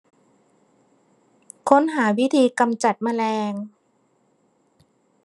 ค้นหาวิธีกำจัดแมลง